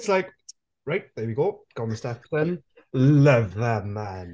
It's like "Right there we go. Got my steps in." Love them mun.